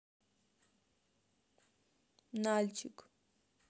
нальчик